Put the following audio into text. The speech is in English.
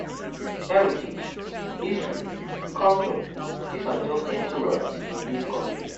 Heritage, history, culture these are just empty words in this country!